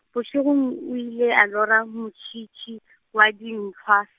bošegong o ile a lora motšhitšhi, wa dintlhwa.